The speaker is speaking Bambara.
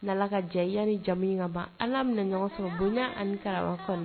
N ka jɛ yaanija ka ban ala minɛ ɲɔgɔn sɔrɔ bonya ani kararaba